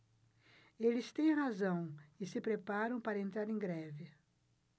eles têm razão e se preparam para entrar em greve